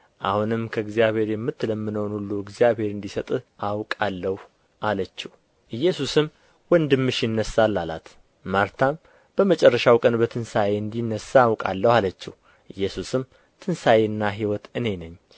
አሁንም ከእግዚአብሔር የምትለምነውን ሁሉ እግዚአብሔር እንዲሰጥህ አውቃለሁ አለችው ኢየሱስም ወንድምሽ ይነሣል አላት ማርታም በመጨረሻው ቀን በትንሣኤ እንዲነሣ አውቃለሁ አለችው ኢየሱስም ትንሣኤና ሕይወት እኔ ነኝ